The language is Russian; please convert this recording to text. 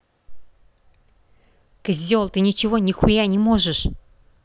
козел ты ничего нихуя не можешь